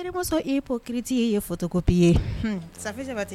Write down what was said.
Seremusosɔn e ko kiiriti ye fkopi ye safesaba tɛ